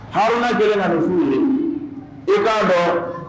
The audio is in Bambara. Haaruna kɛlen ka nin f'u ye, i ka dɔn